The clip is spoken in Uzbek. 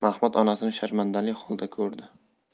mahmud onasini sharmandali holda ko'rdi